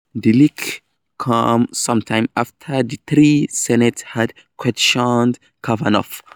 The leak came sometime after the three senators had questioned Kavanaugh.